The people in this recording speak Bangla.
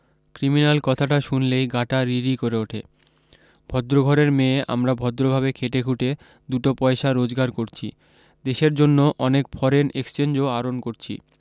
ক্রিমিন্যাল কথাটা শুনলেই গাটা রিরি করে ওঠে ভদ্রঘরের মেয়ে আমরা ভদ্রভাবে খেটেখুটে দুটো পয়সা রোজগার করছি দেশের জন্য অনেক ফরেন এক্সচেঞ্জও আরণ করছি